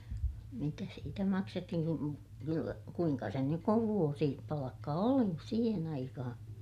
mitä siitä maksettiin kun kyllä kuinka sen nyt kun - vuosipalkka oli siihen aikaan